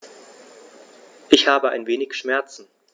Ich habe ein wenig Schmerzen.